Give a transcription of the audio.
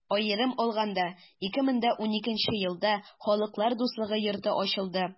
Аерым алаганда, 2012 нче елда Халыклар дуслыгы йорты ачылды.